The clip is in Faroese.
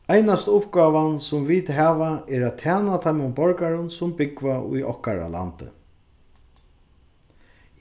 einasta uppgáva sum vit hava er at tæna teimum borgarum sum búgva í okkara landi